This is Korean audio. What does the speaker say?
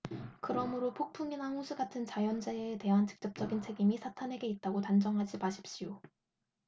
그러므로 폭풍이나 홍수 같은 자연재해에 대한 직접적인 책임이 사탄에게 있다고 단정하지 마십시오